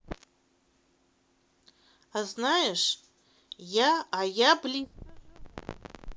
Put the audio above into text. а знаешь я а я близко живу